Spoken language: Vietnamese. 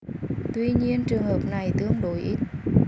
tuy nhiên trường hợp này tương đối ít